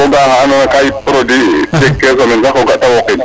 yam ko ga a oxa ando naye ka yip produit jeg ke semaine sax o ga te woqin